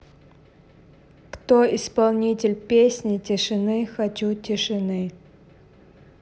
кто исполнитель песни тишины хочу тишины